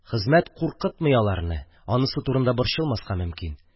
Хезмәт куркытмый аларны, анысы турында борчылмаска мөмкин.